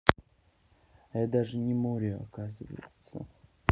а я даже не more оказывается